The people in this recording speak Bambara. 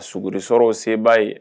Suguri sɔrɔ o se b'a ye